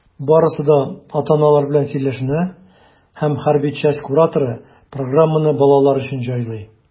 Барысы да ата-аналар белән сөйләшенә, һәм хәрби часть кураторы программаны балалар өчен җайлый.